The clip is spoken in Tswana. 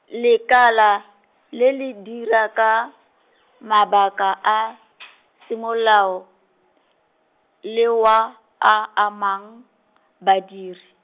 lekala, le le dira ka, mabaka a, semolao, le wa, a amang, badiri.